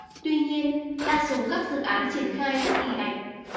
tuy nhiên đa số các dự án triển khai rất ì ạch